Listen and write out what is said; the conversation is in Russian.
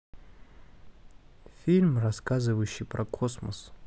фильм рассказывающий про космос